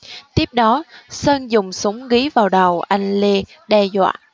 tiếp đó sơn dùng súng gí vào đầu anh lê đe dọa